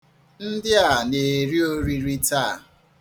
Ndị a na-eri oriri taa.